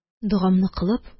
Догамны кылып